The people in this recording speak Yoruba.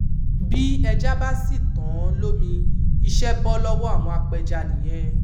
Bí ẹjá bá sì tán lómi, iṣẹ́ bọ́ lọ́wọ́ àwọn apẹja nìyẹn.